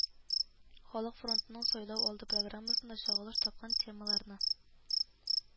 Халык фронтының сайлау алды программасында чагылыш тапкан темаларны